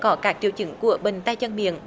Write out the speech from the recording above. có các triệu chứng của bệnh tay chân miệng